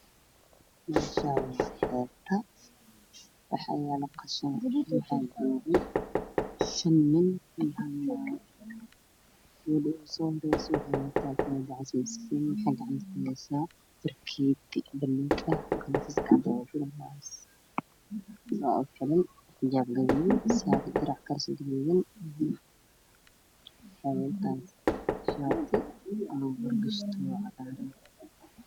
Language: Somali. Meshan waa xeebta waxayaalo qashin waxa joga shan nin iyo halnaag gabadha ugu sohoreyso waxey wadata kabodacasmaskin waxey gacantakuheysaa fargetibalug ah galofis gacmahaugajira waxa uxiran xijabgadud sako dirackaris gaduudan waxey watan shati Kan lagukorgashto cagaran